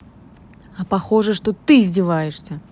а похоже что ты издеваешься